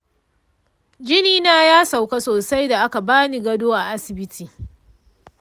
jinina ya sauka sosai da aka bani gado a asibiti.